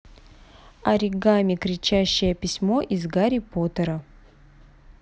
оригами кричащее письмо из гарри поттера